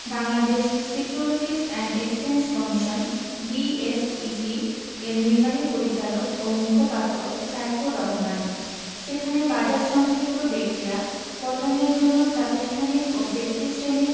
Bangladesh Securities and Exchange Commission BSEC এর নির্বাহী পরিচালক ও মুখপাত্র সাইফুর রহমান সেখানে বাজারসংশ্লিষ্ট ব্যক্তিরা পতনের জন্য প্রাতিষ্ঠানিক ও ব্যক্তিশ্রেণির